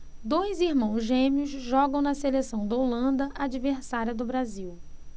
dois irmãos gêmeos jogam na seleção da holanda adversária do brasil